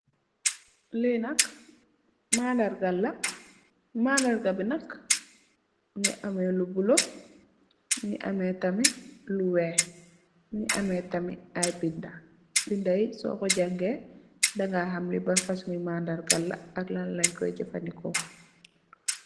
Li nak mandarga la mandarga bi nak mongi ame lu bulu mongi ame tamit lu weex mongi ame tamit ay binda binda bindai nak soko jangex da nga xam li ban fosongi mandarga la ak lan len koi jefendeko.